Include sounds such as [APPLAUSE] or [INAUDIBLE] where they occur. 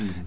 [HESITATION] [HESITATION]